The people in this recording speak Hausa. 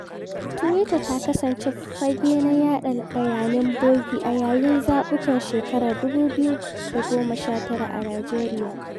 Tuwita ta kasance fage na yaɗa bayanan bogi a yayin zaɓukan shekarar 2019 a Nijeriya.